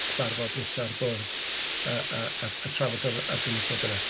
Cyfarfod nesa'r bwrdd a trafod yr argymelliad yna?